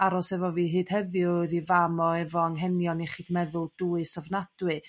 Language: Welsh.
aros efo fi hyd heddiw o'dd 'i fam o efo anghenion iechyd meddwl dwys ofnadwy